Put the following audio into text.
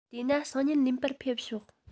དེ ན སང ཉིན ལེན པར ཕེབས ཤོག